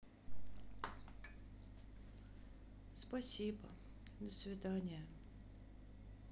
спасибо до свидания